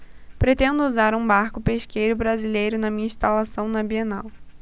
pretendo usar um barco pesqueiro brasileiro na minha instalação na bienal